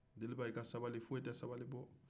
deniba i ka sabali foyi tɛ sabali bɔ